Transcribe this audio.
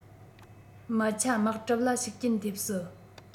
སྨད ཆ དམག གྲབས ལ ཤུགས རྐྱེན ཐེབས སྲིད